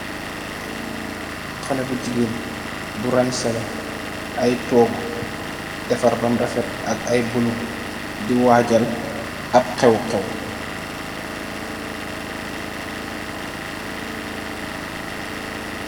Xalèh bu gigeen bu ranseleh ay tohgu defarr bam rafet ak ay boluum di wajal am xewxew.